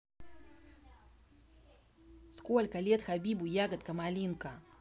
сколько лет хабибу ягода малинка